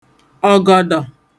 ọ̀gọ̀dọ̀